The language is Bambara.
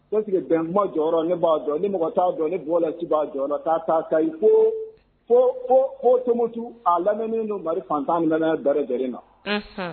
Est ce que bɛnkuma jɔyɔrɔ ne b'a dɔn ni mɔgɔ t'a dɔn ne b'a dɔn k'a ta Kayi fo fo fo fo Tumutu a lamɛnnen Mali fan 14 bɛɛ lajɛlen na